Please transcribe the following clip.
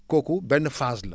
kooku benn phase la